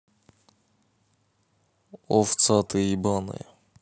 овца ты ебаная